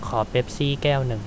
ขอเป็ปซี่แก้วหนึ่ง